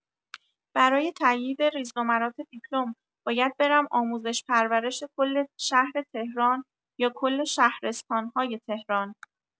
برای تایید ریزنمرات دیپلم، باید برم آموزش پرورش کل شهر تهران یا کل شهرستان‌های تهران؟